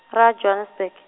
ra Johannesburg.